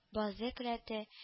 Базы-келәте